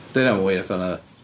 Dyna'm yn wir ddo, na?